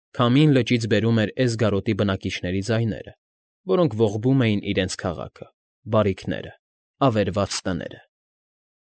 Քամին լճից բերում էր Էսգարոտի բնակիչների ձայները, որոնք ողբում էին իրենց քաղաքը, բարիքները, ավերված տները։